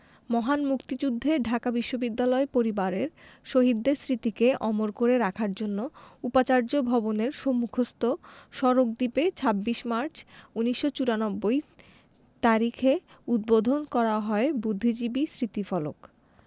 মহান মুক্তিযুদ্ধে ঢাকা বিশ্ববিদ্যালয় পরিবারের শহীদদের স্মৃতিকে অমর করে রাখার জন্য উপাচার্য ভবনের সম্মুখস্থ সড়ক দ্বীপে ২৬ মার্চ ১৯৯৪ তারিখে উদ্বোধন করা হয় বুদ্ধিজীবী স্মৃতিফলক